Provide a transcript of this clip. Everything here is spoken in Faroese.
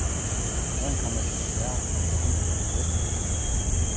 grein kann merkja slag ella undirbólkur